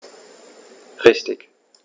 Richtig